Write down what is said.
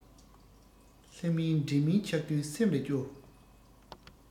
ལྷ མིན འདྲེ མིན ཆགས དུས སེམས རེ སྐྱོ